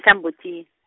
Mthambothi-.